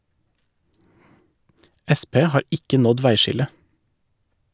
Sp har ikke nådd veiskillet.